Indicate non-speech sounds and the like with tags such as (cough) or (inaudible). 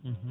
(hesitation) (hesitation)